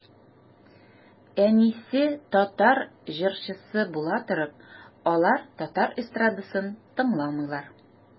Әнисе татар җырчысы була торып, алар татар эстрадасын тыңламыйлар.